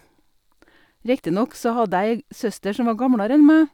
Riktig nok så hadde jeg ei g søster som var gamlere enn meg.